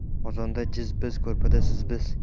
qozonda jiz biz ko'rpada siz biz